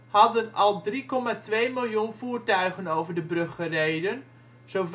hadden al 3,2 miljoen voertuigen over de brug gereden, zo